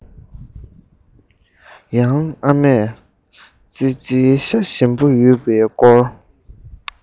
ཡང ཨ མས ཙི ཙིའི ཤ ཞིམ པོ ཡོད པའི སྐོར